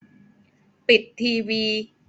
ปิดทีวี